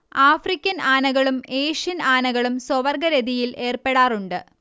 African ആനകളും Asian ആനകളും സ്വവർഗ്ഗരതിയിൽ ഏർപ്പെടാറുണ്ട്